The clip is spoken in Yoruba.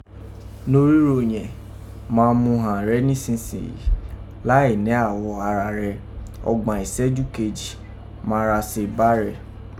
Norígho yẹ̀n, ma mu ghàn rẹ́ nísinsìnyí, láìnẹ́ aghọ ara rẹ̀, ọgbàn ìsẹ́jú kejì, ma ra se bárẹ̣̀.